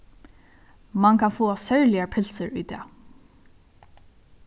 mann kann fáa serligar pylsur í dag